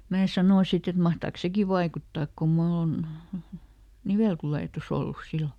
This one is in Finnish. minä sanoin sitten että mahtaakos sekin vaikuttaa kun minulla on niveltulehdus ollut silloin